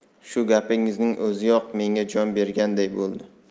shu gapingizning o'ziyoq menga jon berganday bo'ldi